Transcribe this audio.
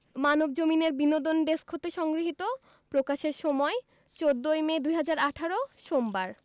মানবজমিন এর বিনোদন ডেস্ক হতে সংগৃহীত প্রকাশের সময় ১৪ মে ২০১৮ সোমবার